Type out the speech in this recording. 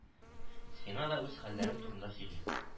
Сиңа да үз хәлләрем турында сөйли